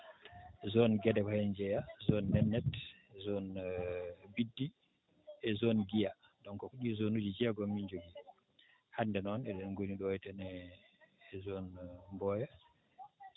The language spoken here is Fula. zone Guédé ko heen jeyaa zone Mennete zone Biddi et zone Guiya donc ko ɗii zone uuji jeegom min njogii hannde noon eɗen ngoni ɗo he ne e zone Mboya